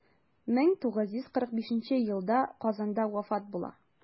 Ул 1945 елда Казанда вафат була.